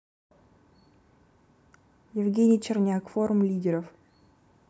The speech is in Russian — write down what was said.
евгений черняк форум лидеров